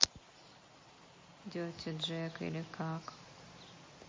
dirty jack или как